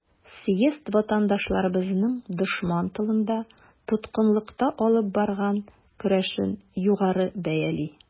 Съезд ватандашларыбызның дошман тылында, тоткынлыкта алып барган көрәшен югары бәяли.